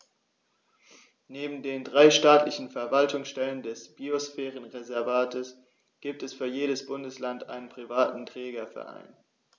Neben den drei staatlichen Verwaltungsstellen des Biosphärenreservates gibt es für jedes Bundesland einen privaten Trägerverein.